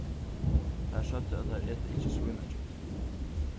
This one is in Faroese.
teir søgdu at teir eta ikki svínakjøt